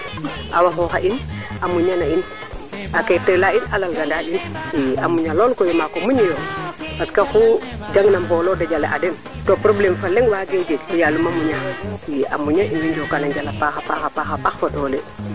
a Gnilane Ndour moom oxey jala mosu yaam roog moƴu a waga muña na in ku ref na ka i leyan fo ten fiyan fo ten nda daal pour te xasir fa in daal jege na in jafe jafe fa leng jafe jafe in daal mete ref na ref o ñak fofu soom i a ɗingale in a mosa